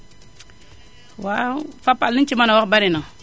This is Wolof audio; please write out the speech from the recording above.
waaw Fapal li ñu ci mën a wax bari na